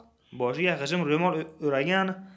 boshiga g'ijim ro'mol o'ragan